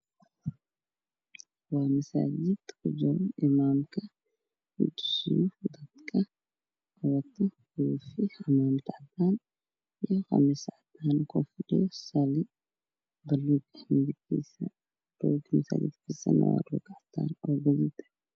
Waa masaajid waxaa kujiro imaamka oo tujinayo dadka waxuu wataa cimaamad cadaan ah, qamiis cadaan ah kufadhiyo sali buluug ah roogana waa cadaan iyo gaduud.